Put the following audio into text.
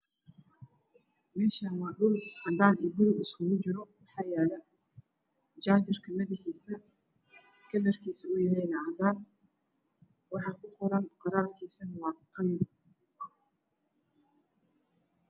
Meshan wa dhul cadaan iyo puluug iyo iskugu jiro waxaa yalo jajarka madaxiisa kalar kiisu uuna yahay çadan waxa ku qoran kalrkiisu yahay qali